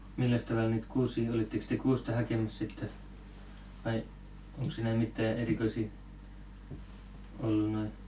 milläs tavalla niitä kuusia olittekos te kuusta hakemassa sitten vai onko siinä mitään erikoisia ollut noin